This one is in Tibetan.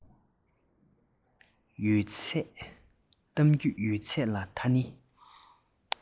གཏམ རྒྱུད ཡོད ཚད ལ ད ནི